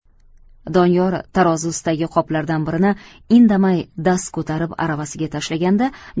doniyor tarozi ustidagi qoplardan birini indamay dast ko'tarib aravasiga tashlaganda